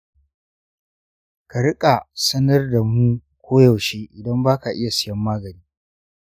ka riƙa sanar da mu koyaushe idan ba ka iya siyan magani.